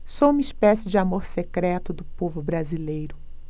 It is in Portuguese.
sou uma espécie de amor secreto do povo brasileiro